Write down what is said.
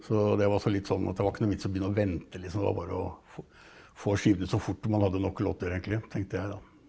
så det var også litt sånn at det var ikke noe vits i å begynne å vente liksom, det var bare å få få skiven ut så fort man hadde nok låter egentlig tenkte jeg da.